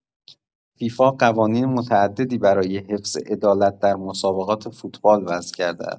فیفا قوانین متعددی برای حفظ عدالت در مسابقات فوتبال وضع کرده است.